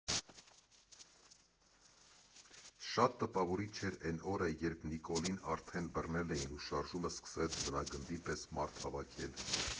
Շատ տպավորիչ էր էն օրը, երբ Նիկոլին արդեն բռնել էին, ու շարժումը սկսեց ձնագնդի պես մարդ հավաքել։